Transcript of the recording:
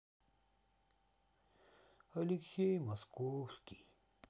алексей московский